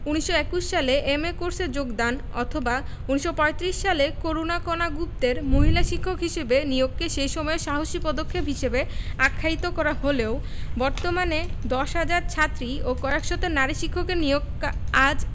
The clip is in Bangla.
১৯২১ সালে এম.এ কোর্সে যোগদান অথবা ১৯৩৫ সালে করুণাকণা গুপ্তের মহিলা শিক্ষক হিসেবে নিয়োগকে সেই সময়ে সাহসী পদক্ষেপ বলে আখ্যায়িত করা হলেও বর্তমানে ১০ হাজার ছাত্রী ও কয়েক শত নারী শিক্ষকের নিয়োগ আজ